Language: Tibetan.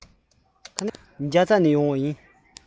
རྒྱ ཚ ནས ཡོང བ ཡིན